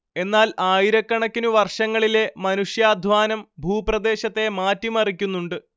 എന്നാൽ ആയിരക്കണക്കിനു വർഷങ്ങളിലെ മനുഷ്യാധ്വാനം ഭൂപ്രദേശത്തെ മാറ്റിമറിക്കുന്നുണ്ട്